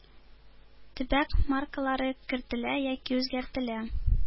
Төбәк маркалары кертелә яки үзгәртелә.